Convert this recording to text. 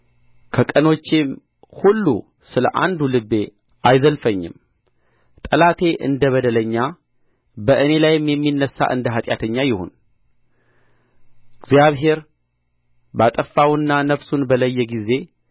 ከቀኖቼም ሁሉ ስለ አንዱ ልቤ አይዘልፈኝም ጠላቴ እንደ በደለኛ በእኔ ላይም የሚነሣ እንደ ኃጢአተኛ ይሁን እግዚአብሔር ባጠፋውና ነፍሱን በለየ ጊዜ